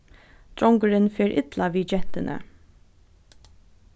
drongurin fer illa við gentuni